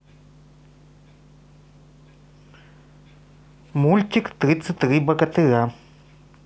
мультик тридцать три богатыря